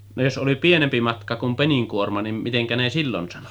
no jos oli pienempi matka kuin peninkuorma niin miten ne silloin sanoi